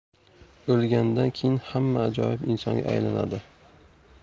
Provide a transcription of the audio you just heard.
o'lgandan keyin hamma ajoyib insonga aylanadi